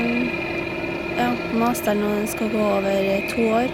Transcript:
Ja, masteren nå, den skal gå over to år.